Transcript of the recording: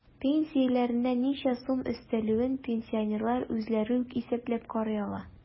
Пенсияләренә ничә сум өстәлүен пенсионерлар үзләре үк исәпләп карый ала.